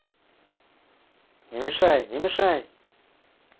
не мешай не мешай